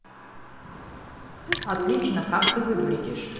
отлично как ты выглядишь